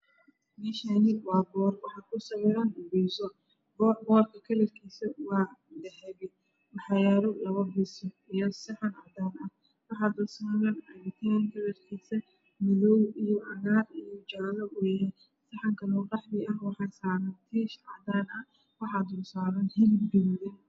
me Shani wa boor waxa kusawiran biiso boor ka kalar kisu wa dahabi waxa yalo labo biiso iyo saxan cadana waxa dul saran cabitan kalarkisa madow iya cagar iya jale uyahay saxan Kalo qaxwi ah waxa dul saran tiish cadana waxa dul saran hilid gadudan